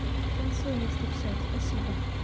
танцуй если все спасибо